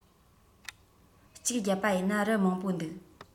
གཅིག རྒྱབ པ ཡིན ན རུ མང པོ འདུག